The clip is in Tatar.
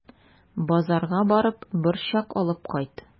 Базарга барып, борчак алып кайт.